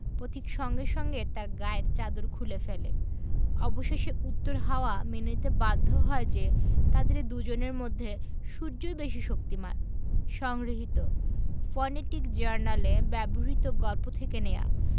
পথিক সঙ্গে সঙ্গে তার গায়ের চাদর খুলে ফেলে অবশেষে উত্তর হাওয়া মেনে নিতে বাধ্য হয় যে তাদের দুজনের মধ্যে সূর্যই বেশি শক্তিমান সংগৃহীত ফনেটিক জার্নালে ব্যবহিত গল্প থেকে নেয়া